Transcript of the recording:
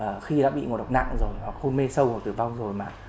à khi đã bị ngộ độc nặng rồi hoặc hôn mê sâu và tử vong rồi mà